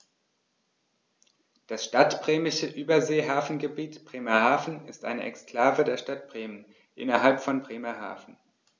Das Stadtbremische Überseehafengebiet Bremerhaven ist eine Exklave der Stadt Bremen innerhalb von Bremerhaven.